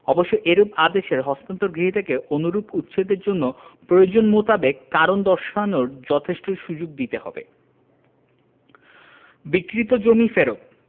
অবশ্য এরূপ আদেশের হস্তান্তর গ্রহীতাকে অনুরূপ উচ্ছেদের জন্য প্রয়োজন মোতাবেক কারণ দর্শানোর যথেষ্ট সুযোগ দিতে হবে বিক্রীত জমি ফেরত